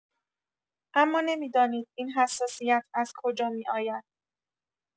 اما نمی‌دانید این حساسیت از کجا می‌آید.